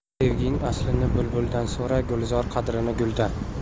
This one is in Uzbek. sevgining aslini bulbuldan so'ra gulzor qadrini guldan